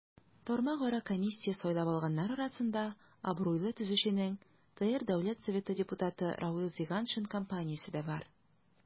Тармакара комиссия сайлап алганнар арасында абруйлы төзүченең, ТР Дәүләт Советы депутаты Равил Зиганшин компаниясе дә бар.